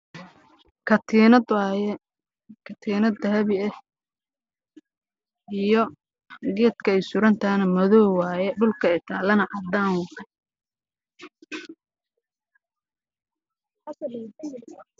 Waa katiinad dahabi ah